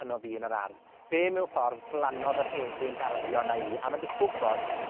ano fi yn yr ardd. Fe mewn ffordd blannodd yr hedyn garddio arna i. A ma' jyst gwbod